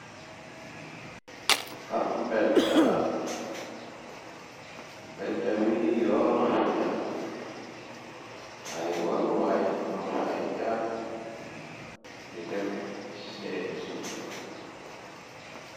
Ab mbedda la mbedda wi yoo na fa jaar ay waruwaay ñoo fay jaar di dem seeni sohla.